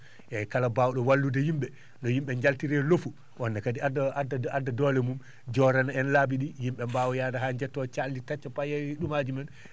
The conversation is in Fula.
eeyi kala mbaaw?o wallude yim?e no yim?e jaltire e lofu oon ne kadi adda adda adda doole mum joorana en laabi?i yim?e mbaawa yahde haa njettoo calli tacca payaye ?umaaji men